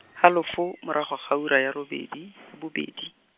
halofo, morago ga ura ya robedi, bobedi.